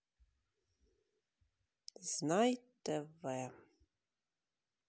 знай тв